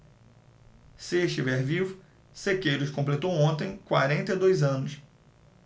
se estiver vivo sequeiros completou ontem quarenta e dois anos